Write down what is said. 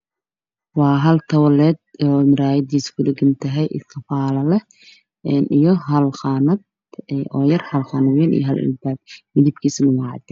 Waa hal tawleed oo muraayadiisa kudhagan tahay oo iskifaalo leh hal qaanad wayn iyo hal qaanad yar iyo hal albaab, midabkiisu waa cadaan.